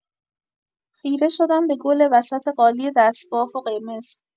خیره شدم به گل وسط قالی دست‌بافت و قرمز